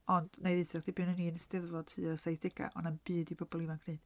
Ond wna i ddeud wrthach chdi pan o'n i yn y 'Steddfod tua saithdegau, oedd na'm byd i bobl ifanc wneud.